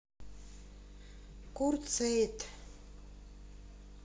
курт сеит